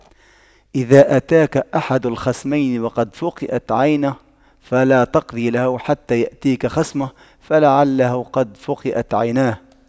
إذا أتاك أحد الخصمين وقد فُقِئَتْ عينه فلا تقض له حتى يأتيك خصمه فلعله قد فُقِئَتْ عيناه